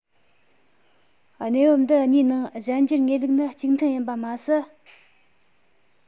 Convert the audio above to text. གནས བབ འདི གཉིས ནང གཞན འགྱུར ངེས ལུགས ནི གཅིག མཐུན ཡིན པ མ ཟད